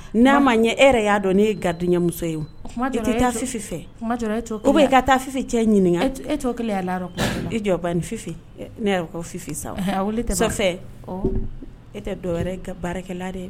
N'a ma ɲɛ e yɛrɛ y'a dɔn ne ye gardien muso ye o; tuma dɔ la ;e tɛ taa Fifi fɛ; tuma dɔ la ,e bɛ to keleya la ; ou bien i ka taa fi cɛ ɲininka, e e t'o keleya ba la,e jɔ banni Fifi, ne yɛrɛ ko Fifi sa o; ɛhɛn a weleli tɛ baara ye, fait e tɛ dɔ wɛrɛ ye ka baarakɛ la de ye